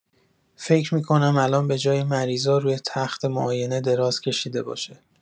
فکر می‌کنم الان به‌جای مریضا روی تخت معاینه دراز کشیده باشه.